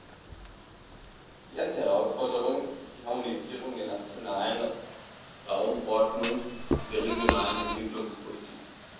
Die erste Herausforderung ist die Harmonisierung der nationalen Raumordnungs- und der regionalen Entwicklungspolitiken.